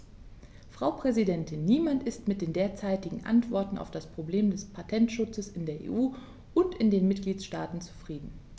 Frau Präsidentin, niemand ist mit den derzeitigen Antworten auf das Problem des Patentschutzes in der EU und in den Mitgliedstaaten zufrieden.